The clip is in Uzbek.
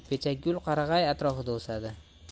pechakgul qarag'ay atrofida o'sadi